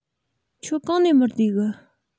ཁྱོད གང ནས མི བདེ གི